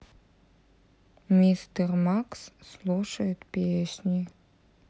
мистер макс слушает песни